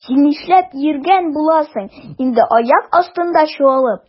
Син нишләп йөргән буласың инде аяк астында чуалып?